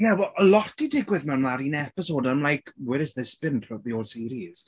Ie wel o' lot 'di digwydd mewn 'na'r un episode and I'm like "where has this been throughout the whole series?"